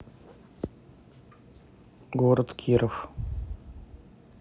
город киров